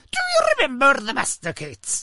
Do you remember the masticates?